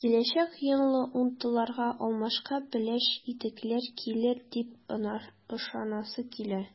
Киләчәктә “йонлы” унтыларга алмашка “пеләш” итекләр килер дип ышанасы килә.